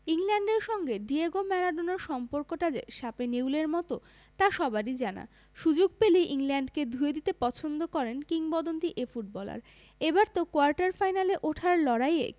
ইংল্যান্ডের সঙ্গে ডিয়েগো ম্যারাডোনার সম্পর্কটা যে শাপে নেউলের মতো তা সবারই জানা সুযোগ পেলেই ইংল্যান্ডকে ধুয়ে দিতে পছন্দ করেন কিংবদন্তি এ ফুটবলার এবার তো কোয়ার্টার ফাইনালে ওঠার লড়াইয়ে